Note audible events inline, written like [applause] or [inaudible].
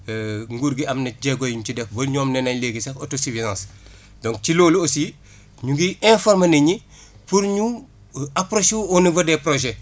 [hesitation] nguur gi am na jéego yu mu ci def ba ñoom neenañ léegi sax autosuffisance donc ci loolu aussi ñu ngi informer nit ñi pour ñu approcher wu au niveau des projets